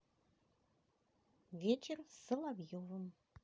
вечер с соловьевым